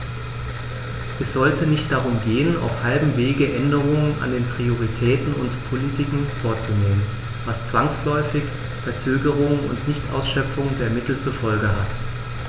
Es sollte nicht darum gehen, auf halbem Wege Änderungen an den Prioritäten und Politiken vorzunehmen, was zwangsläufig Verzögerungen und Nichtausschöpfung der Mittel zur Folge hat.